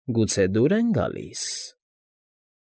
Գուցե դո՞ւր են գալիս֊ս֊ս։